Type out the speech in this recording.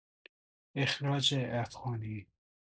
اخراج افغانی